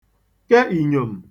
keìnyòm